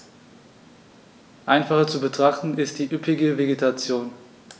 Einfacher zu betrachten ist die üppige Vegetation.